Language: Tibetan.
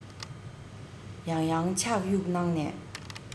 ཡང ཡང ཕྱག གཡུགས གནང ནས